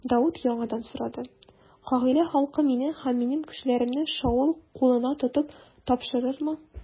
Давыт яңадан сорады: Кыгыйлә халкы мине һәм минем кешеләремне Шаул кулына тотып тапшырырмы?